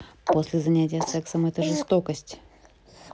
после занятия сексом это жестокость